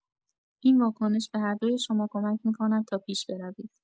این واکنش به هر دوی شما کمک می‌کند تا پیش بروید.